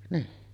niin